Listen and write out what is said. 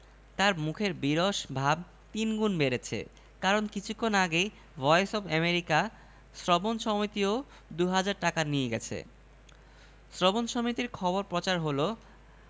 sir বুঝি ভিক্ষা দিচ্ছেন আরে না ভিক্ষা কেন দিব একটা শর্ট ওয়েভ রেডিওর দাম খুব কম হলেও দু হাজার শর্ট ওয়েভ রেডিও ছাড়া আমরা বিবিসি শুনব কিভাবে